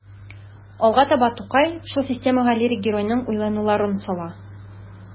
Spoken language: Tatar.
Алга таба Тукай шул системага лирик геройның уйлануларын сала.